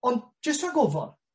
ond jyst rhag ofon